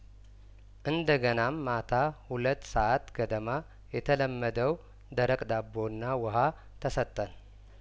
እንደገናም ማታ ሁለት ሰአት ገደማ የተለመደው ደረቅ ዳቦና ውሀ ተሰጠን